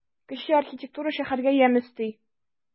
Кече архитектура шәһәргә ямь өсти.